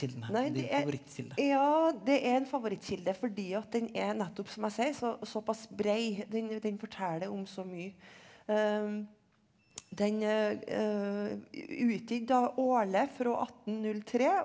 nei det er ja det er en favorittkilde fordi at den er nettopp som jeg sier såpass brei den den forteller om så mye den er utgitt da årlig fra attennulltre.